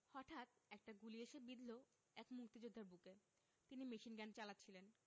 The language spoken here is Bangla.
হঠাৎ একটা গুলি এসে বিঁধল এক মুক্তিযোদ্ধার বুকে তিনি মেশিনগান চালাচ্ছিলেন